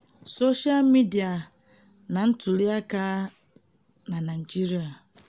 soshaa midịa na ntụliaka na Naịjirịa